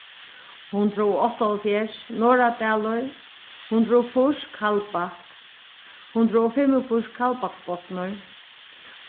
hundrað og áttaoghálvfjerðs norðradalur hundrað og fýrs kaldbak hundrað og fimmogfýrs kaldbaksbotnur